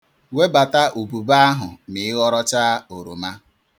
Webata ubube ahụ ma ị ghọrọcha oroma.